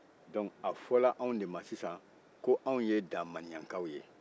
dɔnc a fɔra anw de man sisa ko anw ye da maniayankaw ye